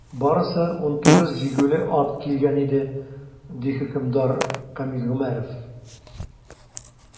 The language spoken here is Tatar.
Барысы 19 җигүле ат килгән иде, - ди хөкемдар Камил Гомәров.